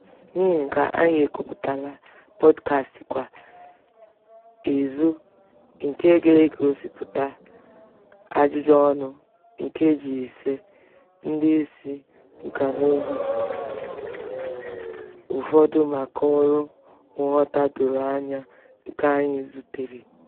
N'ihi nke a, anyị ekepụtala pọdkastị kwa izu nke ga-egosịpụta ajụjụọnụ nkeji ise ndị isi nkànaụzụ ụfọdụ maka ọrụ nghọta doro anya nke anyị zutere.